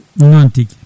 noon tigui